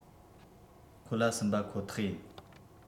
ཁོ ལ སུན པ ཁོ ཐག ཡིན